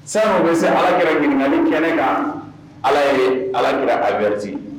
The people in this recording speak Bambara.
Sani u bɛ se Alakira ɲininkali kɛnɛ kan Ala ye Alakira averti